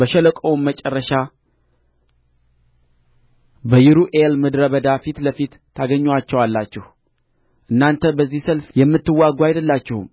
በሸለቆውም መጨረሻ በይሩኤል ምድረ በዳ ፊት ለፊት ታገኙአቸዋላችሁ እናንተ በዚህ ሰልፍ የምትዋጉ አይደላችሁም